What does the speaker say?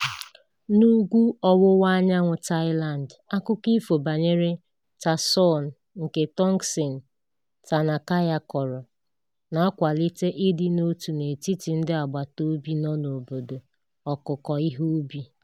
N'ugwu ọwụwa anyanwụ Thailand, akụkọ ifo banyere Ta Sorn nke Tongsin Tanakaya kọrọ na-akwalite ịdị n'otu n'etiti ndị agbata obi nọ n'obodo ọkụkọ ihe ubi.